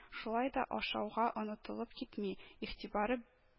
Шулай да ашауга онытылып китми, игътибары